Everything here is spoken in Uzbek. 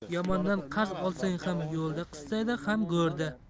yomondan qarz olsang ham yo'lda qistaydi ham go'rda